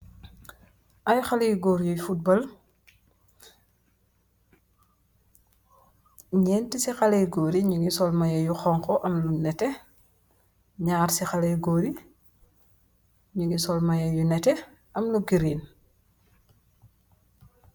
ay halay góor yuy fotbal ñent ci halay góori nugi sol mayé yu xowhu am lu neté ñjir ci halay góori ñugi sol mayé yu nete am nu giriin